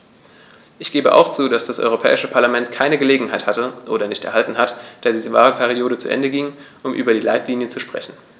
Ich gebe auch zu, dass das Europäische Parlament keine Gelegenheit hatte - oder nicht erhalten hat, da die Wahlperiode zu Ende ging -, um über die Leitlinien zu sprechen.